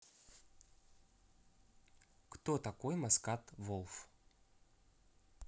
кто такой muscut wolf